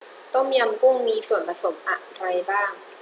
ต้มยำกุ้งมีส่วนผสมอะไรบ้าง